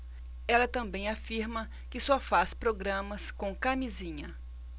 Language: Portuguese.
ela também afirma que só faz programas com camisinha